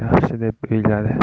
yaxshi deb uyladi